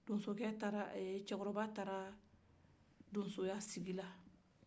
cɛkɔrɔba taara donsoya sigila